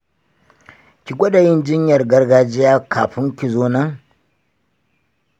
ki gwada yin jinyar gargajiya kafun kizo nan?